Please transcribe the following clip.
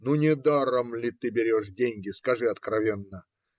Ну, не даром ли ты берешь деньги, скажи откровенно?